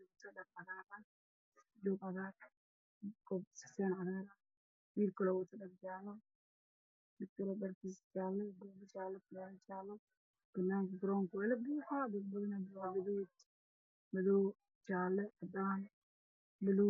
waxayna qabaan fanaanad jaalo ah iyo fanaanad cagaar xigeen ah